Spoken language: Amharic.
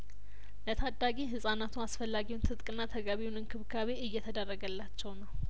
ለታዳጊ ህጻናቱ አስፈላጊውን ትጥቅና ተገቢውን እንክብካቤ እየተደረገላቸው ነው